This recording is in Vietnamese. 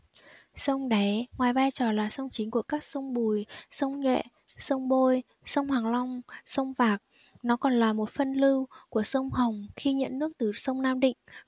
sông đáy ngoài vai trò là sông chính của các sông bùi sông nhuệ sông bôi sông hoàng long sông vạc nó còn là một phân lưu của sông hồng khi nhận nước từ sông nam định